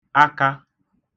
aka